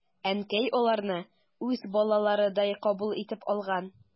Әнкәй аларны үз балаларыдай кабул итеп алган.